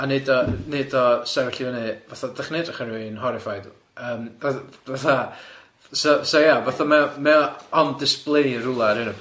...a neud o, neud o sefyll i fyny, fatha dych chi'n edrych ar rywun horrified, yym fatha, fatha, so so ia, fatha mae o mae o on display yn rywle ar yr hun o bryd iawn?